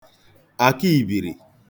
àkịị̀bìrì